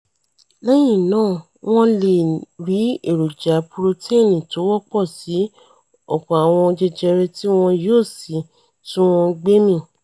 Lẹ́yìn náà wọ́n leè 'ri' èròja puroteeni tówọ́pọ̀ sí ọ̀pọ̀ àwọn jẹjẹrẹ tíwọn yóò sì túnwọn gbé mì